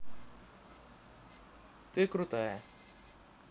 ты крутая